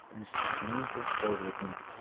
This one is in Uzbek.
tinchliging hurliging